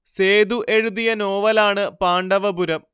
സേതു എഴുതിയ നോവലാണ് പാണ്ഡവപുരം